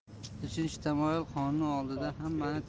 uchinchi tamoyil qonun oldida hammaning